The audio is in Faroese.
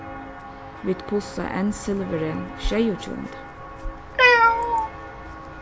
vit pussa enn silvurið sjeyogtjúgunda